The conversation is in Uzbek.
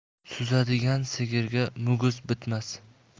suzadigan sigirga muguz bitmas